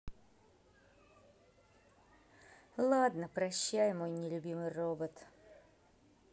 ладно прощай мой мой нелюбимый робот